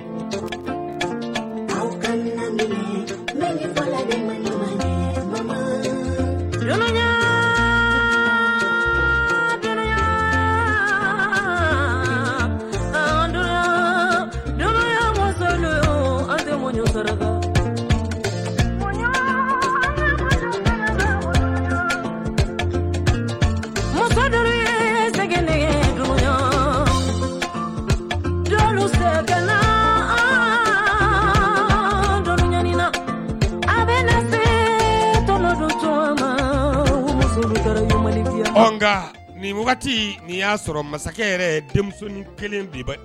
Muso tuluse a bɛ se muso nka ninti y'a sɔrɔ masakɛ yɛrɛ denmisɛnnin kelen bi